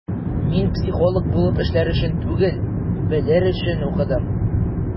Мин психолог булып эшләр өчен түгел, белер өчен укыдым.